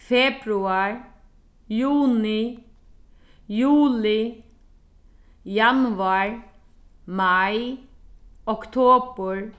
februar juni juli januar mai oktobur